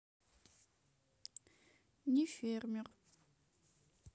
не фермер